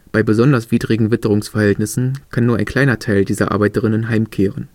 Bei besonders widrigen Witterungsverhältnissen kann nur ein kleiner Teil dieser Arbeiterinnen heimkehren